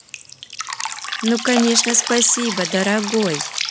ну конечно спасибо дорогой